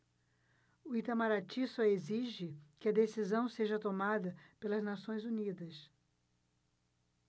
o itamaraty só exige que a decisão seja tomada pelas nações unidas